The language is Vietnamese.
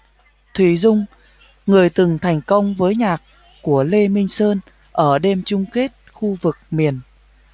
thùy dung người từng thành công với nhạc của lê minh sơn ở đêm chung kết khu vực miền